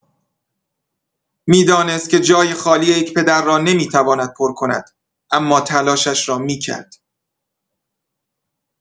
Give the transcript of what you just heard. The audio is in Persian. می‌دانست که جای خالی یک پدر را نمی‌تواند پر کند، اما تلاشش را می‌کرد.